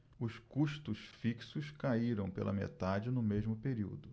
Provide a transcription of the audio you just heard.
os custos fixos caíram pela metade no mesmo período